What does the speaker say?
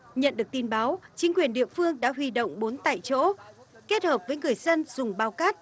nhận được tin báo chính quyền địa phương đã huy động bốn tại chỗ kết hợp với người dân dùng bao cát